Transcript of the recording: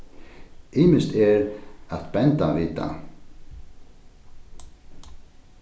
ymiskt er at benda vita